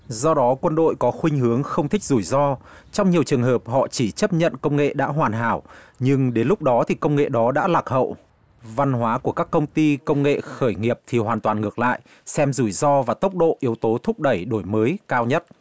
do đó quân đội có khuynh hướng không thích rủi ro trong nhiều trường hợp họ chỉ chấp nhận công nghệ đã hoàn hảo nhưng đến lúc đó thì công nghệ đó đã lạc hậu văn hóa của các công ty công nghệ khởi nghiệp thì hoàn toàn ngược lại xem rủi ro và tốc độ yếu tố thúc đẩy đổi mới cao nhất